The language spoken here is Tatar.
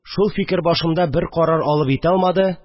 Шул фикер бер карар башалып җитә алмады